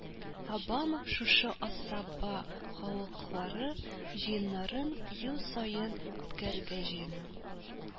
Обама, шушы асаба халыклары җыеннарын ел саен үткәрергә җыена